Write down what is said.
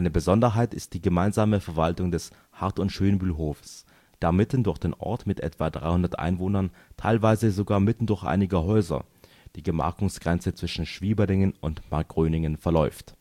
Besonderheit ist die gemeinsame Verwaltung des Hardt - und Schönbühlhofes, da mitten durch den Ort mit etwa 300 Einwohnern, teilweise sogar mitten durch einige Häuser, die Gemarkungsgrenze zwischen Schwieberdingen und Markgröningen verläuft